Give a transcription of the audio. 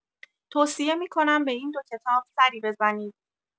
توصیه می‌کنم به این دو کتاب سری بزنید